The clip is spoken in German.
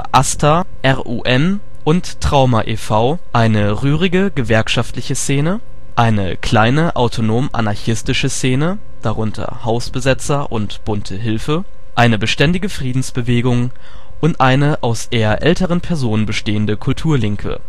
AStA, RUM, Trauma e.V.), eine rührige gewerkschaftliche Szene, eine kleine autonom-anarchistische Szene (Hausbesetzer, Bunte Hilfe), eine beständige Friedensbewegung und eine aus eher älteren Personen bestehende Kultur-Linke